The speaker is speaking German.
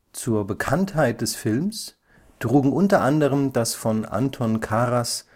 Zur Bekanntheit des Films trugen unter anderem das von Anton Karas